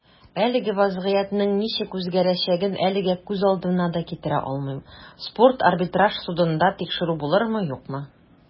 Әлеге вәзгыятьнең ничек үзгәрәчәген әлегә күз алдына да китерә алмыйм - спорт арбитраж судында тикшерү булырмы, юкмы.